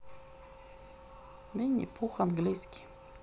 винни пух английский